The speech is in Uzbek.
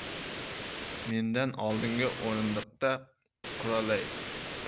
mendan oldingi o'rindiqda quralay